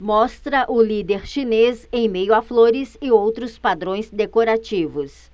mostra o líder chinês em meio a flores e outros padrões decorativos